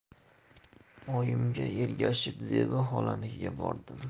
oyimga ergashib zebi xolanikiga bordim